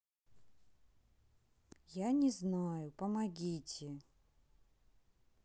я не знаю помогите